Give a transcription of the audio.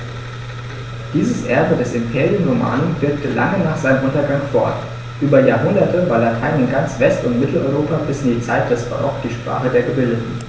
Dieses Erbe des Imperium Romanum wirkte lange nach seinem Untergang fort: Über Jahrhunderte war Latein in ganz West- und Mitteleuropa bis in die Zeit des Barock die Sprache der Gebildeten.